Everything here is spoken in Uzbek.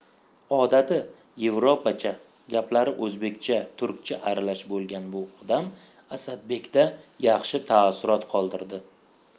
odati yevropacha gaplari o'zbekcha turkcha aralash bo'lgan bu odam asadbekda yaxshi taassurot qoldirdi